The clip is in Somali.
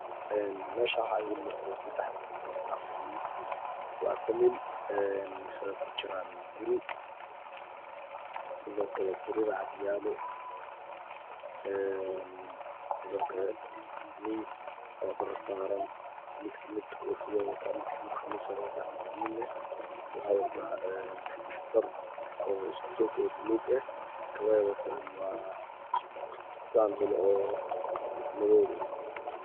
Meeshaan waxaa Ii muuqdo saddex nin mise afar nin waa family waxayna ku jiraan guri sidoo kale shariira agyaalo ee sidoo kale miis Dhar saaran mid ka midab koofidoo wataa mid ka mid khamiisoo wataa mid ka midna wuxuu wataa dhar oo isku joog oo baluug eh tawaha ay wataan waa saasdalo wax oo madow eh